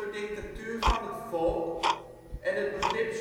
dictatuur van het volk " en het begrip